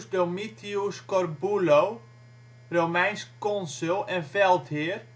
Domitius Corbulo, Romeins consul en veldheer